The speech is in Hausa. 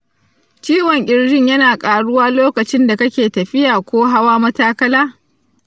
ciwon kirjin yana ƙaruwa lokacin da kake tafiya ko hawa matakala?